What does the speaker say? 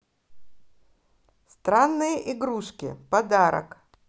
страшные игрушки подарок